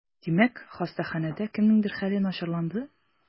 Димәк, хастаханәдә кемнеңдер хәле начарланды?